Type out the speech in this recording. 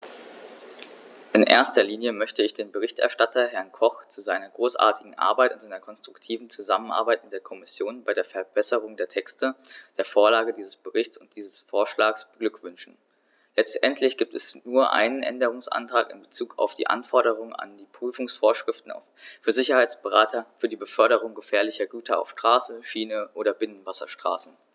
In erster Linie möchte ich den Berichterstatter, Herrn Koch, zu seiner großartigen Arbeit und seiner konstruktiven Zusammenarbeit mit der Kommission bei der Verbesserung der Texte, der Vorlage dieses Berichts und dieses Vorschlags beglückwünschen; letztendlich gibt es nur einen Änderungsantrag in bezug auf die Anforderungen an die Prüfungsvorschriften für Sicherheitsberater für die Beförderung gefährlicher Güter auf Straße, Schiene oder Binnenwasserstraßen.